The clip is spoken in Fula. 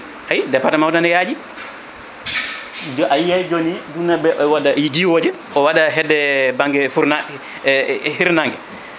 eyyi département o nane ene yaaji ayi hay joni * waɗa i jiiwoje o waɗa hedde banggue furna e e hirnangue